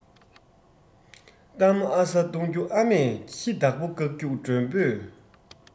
གཏམ ཨ ས གཏོང རྒྱུ ཨ མས ཁྱི བདག པོས བཀག རྒྱུ མགྲོན པོས